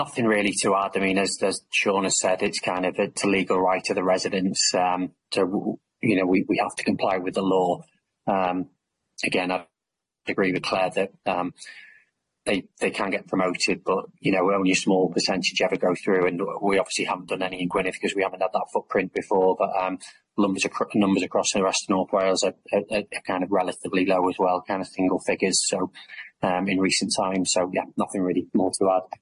Nothing really too hard I mean as as Siôn has said it's kind of it's a legal right of the residents yym to w- you know we we have to comply with the law yym again I agree with Clare that yym they they can get promoted but you know only a small percentage ever go through and we obviously haven't done any in Gwynedd cause we haven't had that footprint before but, um numbers a- pr- numbers across the rest of North Wales are are are kind of relatively low as well kind of single figures so um in recent times so yeah nothing really more to add.